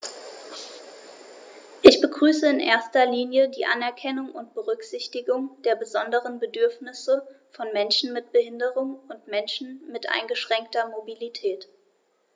Ich begrüße in erster Linie die Anerkennung und Berücksichtigung der besonderen Bedürfnisse von Menschen mit Behinderung und Menschen mit eingeschränkter Mobilität.